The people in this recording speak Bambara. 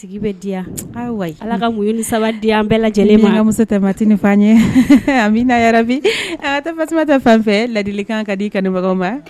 Sigi bɛ diya yan ayiwa ala ka mobilili saba di an bɛɛ lajɛlen mankanmuso tɛt nifan ye an bɛ na yɛrɛ bi tɛ tɛ fɛn fɛ ladili kan ka di kabagaw ma